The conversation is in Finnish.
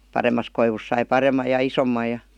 paremmasta koivusta sai paremman ja isomman ja